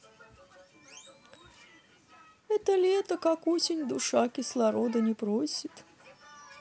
это лето как осень душа кислорода не просит